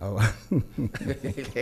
Ayiwa